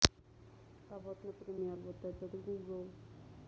а вот например вот этот google